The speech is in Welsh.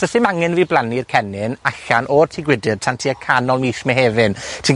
do's dim angen i fi blannu'r cennin allan o'r tŷ gwydyr tan tua canol mis Mehefin. Ti'n